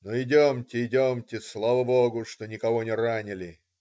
Ну, идемте, идемте, слава Богу, что никого не ранили.